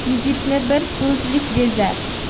yigitni bir so'zlik bezar